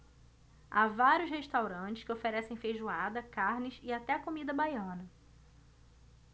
há vários restaurantes que oferecem feijoada carnes e até comida baiana